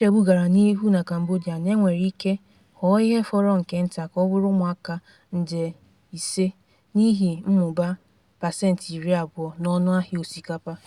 Nchegbu gara n'ihu na Cambodia na e nwere ike ghọọ ihe fọrọ nke nta ka ọ bụrụ ụmụaka 500,000 nri n'ihi mmụba 20% n'ọnụahịa osikapa.